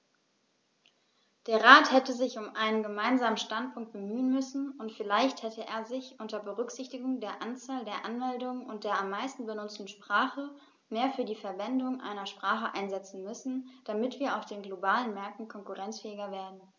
Der Rat hätte sich um einen gemeinsamen Standpunkt bemühen müssen, und vielleicht hätte er sich, unter Berücksichtigung der Anzahl der Anmeldungen und der am meisten benutzten Sprache, mehr für die Verwendung einer Sprache einsetzen müssen, damit wir auf den globalen Märkten konkurrenzfähiger werden.